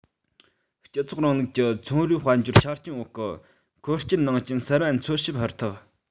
སྤྱི ཚོགས རིང ལུགས ཀྱི ཚོང རའི དཔལ འབྱོར ཆ རྐྱེན འོག གི འཁོར སྐྱོད ནང རྐྱེན གསར པ འཚོལ ཞིབ ཧུར ཐག